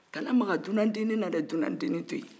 kana maga dunan deni la dɛ dunan deni to yen